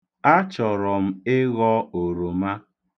Achọrọ m ịghọ oroma.